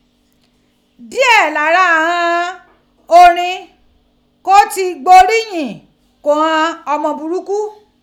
Díẹ̀ lára ighan orin kó tí gbóríyìn ko ghan ọmọ burúkú